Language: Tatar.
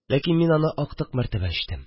Ләкин мин аны актык мәртәбә эчтем